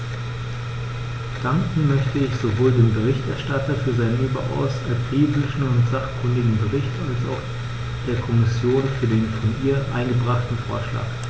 Danken möchte ich sowohl dem Berichterstatter für seinen überaus akribischen und sachkundigen Bericht als auch der Kommission für den von ihr eingebrachten Vorschlag.